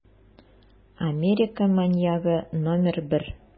Америка маньягы № 1